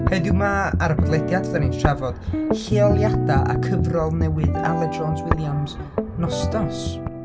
Heddiw 'ma ar y podlediad dan ni'n trafod lleoliada a cyfrol newydd Aled Jones Williams, Nostos.